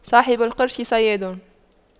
صاحب القرش صياد